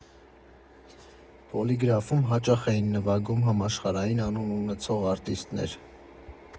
Պոլիգրաֆում հաճախ էին նվագում համաշխարհային անուն ունեցող արտիստներ։